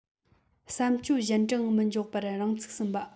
བསམ སྤྱོད གཞན དྲིང མི འཇོག པར རང ཚུགས ཟིན པ